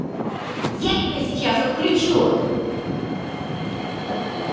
я тебя сейчас отключу